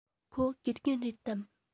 ཁོ དགེ རྒན རེད དམ